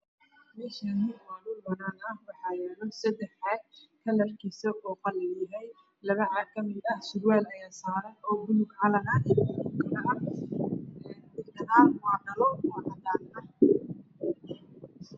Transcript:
Halkan waa dhul banaan ah wax yaalo sadax caag kalarkisa oo qalin yahay labo caag kamid ah saran sulwaal oo balog calan ah gadal waa dhalo oo cadan ah